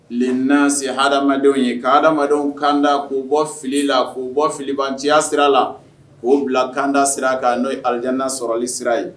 leina se hadamadenw ye ka hadenw kanda ko bɔ filila k'u bɔ filibantiya sira a la k'o bila kanda sira a kan n'o ye alijanna sɔrɔli sira ye